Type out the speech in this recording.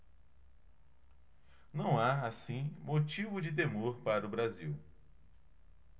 não há assim motivo de temor para o brasil